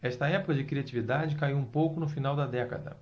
esta época de criatividade caiu um pouco no final da década